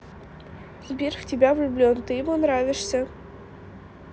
сбер в тебя влюблен ты ему нравишься